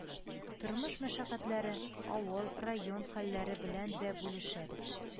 Тормыш мәшәкатьләре, авыл, район хәлләре белән дә бүлешәбез